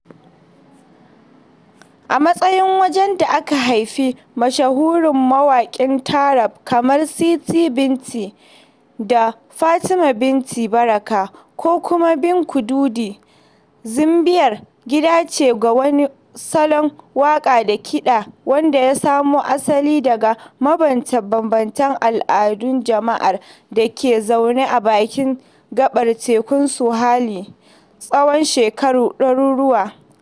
A matsayin wajen da aka haifi mashahuran mawaƙan taarab kamar Siti Binti da Fatuma Binti Baraka ko kuma Bi Kidude, Zanzibar gida ce ga wani salon waƙa da kiɗa wanda ya samo asali daga mabambamtan al'adun jama'ar da ke zaune a bakin gaɓar tekun Swahili tsawon shakaru ɗaruruwa.